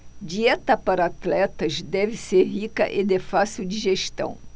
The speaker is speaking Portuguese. dieta para atletas deve ser rica e de fácil digestão